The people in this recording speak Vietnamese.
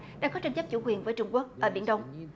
đang có tranh chấp chủ quyền với trung quốc ở biển đông